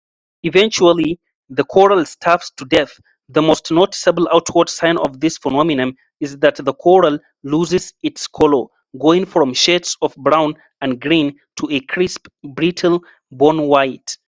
Eventually, the coral starves to death; the most noticeable outward sign of this phenomenon is that the coral loses its colour, going from shades of brown and green to a crisp, brittle, bone white.